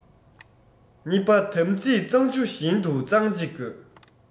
གཉིས པ དམ ཚིག གཙང ཆུ བཞིན དུ གཙང གཅིག དགོས